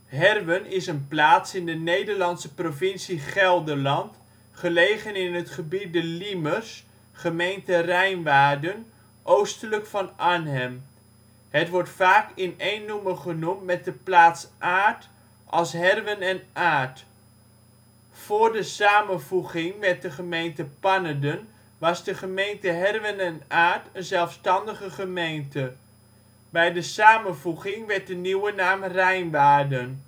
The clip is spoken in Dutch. Herwen is een plaats in de Nederlandse provincie Gelderland, gelegen in het gebied de Liemers (gemeente Rijnwaarden), oostelijk van Arnhem. Het wordt vaak in een noemer genoemd met de plaats Aerdt als Herwen en Aerdt. Vóór de samenvoeging met de gemeente Pannerden was de gemeente Herwen en Aerdt een zelfstandige gemeente. Bij de samenvoeging werd de nieuwe naam Rijnwaarden